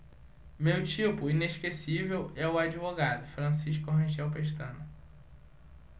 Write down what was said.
meu tipo inesquecível é o advogado francisco rangel pestana